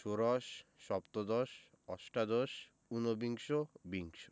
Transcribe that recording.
ষোড়শ সপ্তদশ অষ্টাদশ উনবিংশ বিংশ